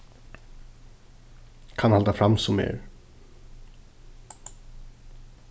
kann halda fram sum er